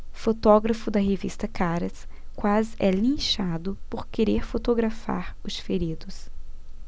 fotógrafo da revista caras quase é linchado por querer fotografar os feridos